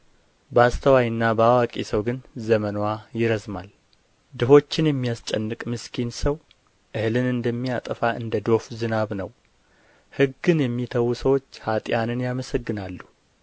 በአስተዋይና በአዋቂ ሰው ግን ዘመንዋ ይረዝማል ድሆችን የሚያስጨንቅ ምስኪን ሰው እህልን እንደሚያጠፋ እንደ ዶፍ ዝናብ ነው ሕግን የሚተዉ ሰዎች ኀጥኣንን ያመሰግናሉ